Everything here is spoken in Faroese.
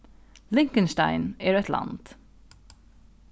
liktinstein er eitt land